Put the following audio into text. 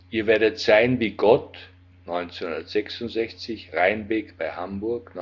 Ihr werdet sein wie Gott, (1966) Reinbek bei Hamburg